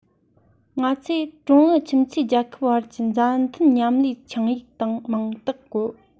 ང ཚོས ཀྲུང ཨུ ཁྱིམ མཚེས རྒྱལ ཁབ བར གྱི མཛའ མཐུན མཉམ ལས ཆིངས ཡིག སྟེང མིང རྟགས བཀོད